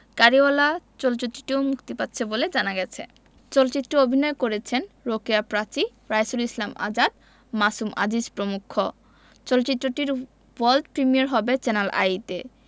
গাড়িওয়ালা চলচ্চিত্রটিও মুক্তি পাচ্ছে বলে জানা গেছে চলচ্চিত্রে অভিনয় করেছেন রোকেয়া প্রাচী রাইসুল ইসলাম আসাদ মাসুম আজিজ প্রমুখ চলচ্চিত্রটির ওয়ার্ল্ড প্রিমিয়ার হবে চ্যানেল আইতে